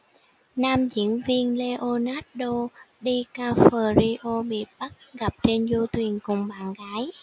nam diễn viên leonardo dicaprio bị bắt gặp trên du thuyền cùng bạn gái